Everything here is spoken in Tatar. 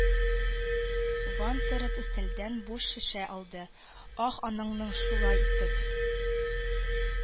Ван, торып, өстәлдән буш шешә алды, «ах, анаңны шулай итеп,